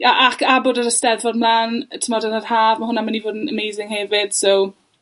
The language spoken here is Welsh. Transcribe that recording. ia, ac, a bod yr Eisteddfod mlan y t'mod yn yr haf. Ma' hwnna mynd i fod yn amazing hefyd so...